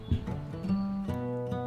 San